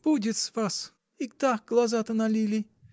— Будет с вас: и так глаза-то налили!